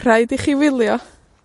Rhaid i chi wylio